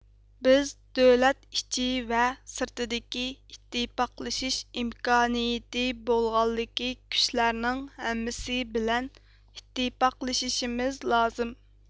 بىز دۆلەت ئىچى ۋە سىرتىدىكى ئىتتىپاقلىشىش ئىمكانىيىتى بولغانلىكى كۈچلەرنىڭ ھەممىسى بىلەن ئىتتىپاقلىشىشىمىز لازىم